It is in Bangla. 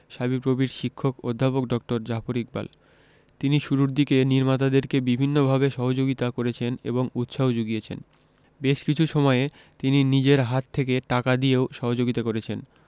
শাবিপ্রবির শিক্ষক অধ্যাপক ড জাফর ইকবাল তিনি শুরুর দিকে নির্মাতাদেরকে বিভিন্নভাবে সহযোগিতা করেছেন এবং উৎসাহ যুগিয়েছেন বেশ কিছু সময়ে তিনি নিজের হাত থেকে টাকা দিয়েও সহযোগিতা করেছেন